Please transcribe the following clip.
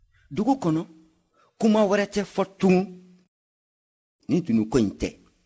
dugu kɔnɔ kuma wɛrɛ tɛ fɔ tugun ni dunun ko in tɛ